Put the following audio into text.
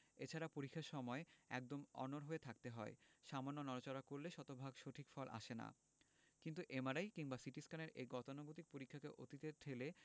এছাড়া পরীক্ষার সময় একদম অনড় হয়ে থাকতে হয় সামান্য নড়াচড়া করলে শতভাগ সঠিক ফল আসে না কিন্তু এমআরআই কিংবা সিটিস্ক্যানের এই গতানুগতিক পরীক্ষাকে অতীতে ঠেলে